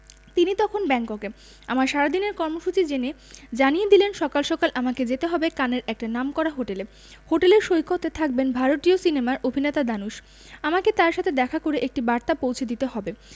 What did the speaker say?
তিনি তখন ব্যাংককে আমার সারাদিনের কর্মসূচি জেনে জানিয়ে দিলেন সকাল সকাল আমাকে যেতে হবে কানের একটা নামকরা হোটেলে হোটেলের সৈকতে থাকবেন ভারতীয় সিনেমার অভিনেতা দানুশ আমাকে তার সাথে দেখা করে একটি বার্তা পৌঁছে দিতে হবে